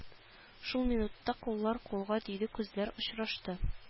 Шул минутта куллар кулга тиде күзләр очрашты